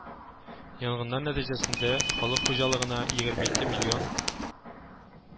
Янгыннар нәтиҗәсендә халык хуҗалыгына егерме ике миллион